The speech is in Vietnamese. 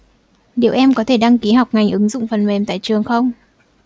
liệu em có thể đăng ký học ngành ứng dụng phần mềm tại trường không